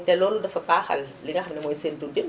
te loolu dafa baaxal li nga xam ni mooy seen dundin